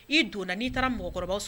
N'i donna , n'i taara mɔgɔkɔrɔbaw sɔrɔ